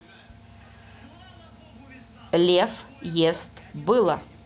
лев ест было